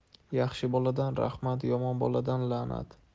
yaxshi boladan rahmat yomon boladan la'nat